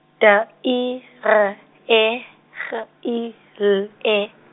D I R E G I L E.